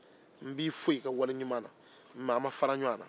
n b'i fo i ka wale ɲuman na